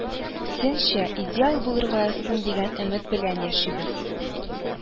Сенчә, идеал булырга язсын дигән өмет белән яшибез